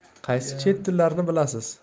qaysi chet tillarini bilasiz